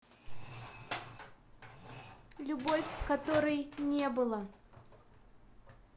любовь которой не было